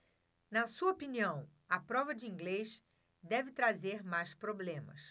na sua opinião a prova de inglês deve trazer mais problemas